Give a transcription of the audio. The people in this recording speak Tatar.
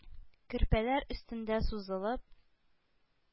Көрпәләр өстендә сузылып,